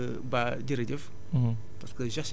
waa xam nga Ba jërëjëf